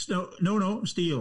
S- no, no, no, steel.